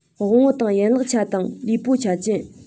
དབང པོ དང ཡན ལག ཆ དང ལུས པོ ཆ ཅན